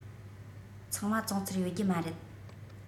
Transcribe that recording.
ཚང མ བཙོང ཚར ཡོད རྒྱུ མ རེད